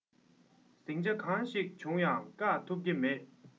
ཟིང ཆ གང ཞིག བྱུང ཡང བཀག ཐུབ ཀྱི མེད